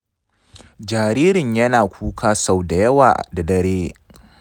jaririn yana kuka sau da yawa da dare.